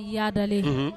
I yaadalen h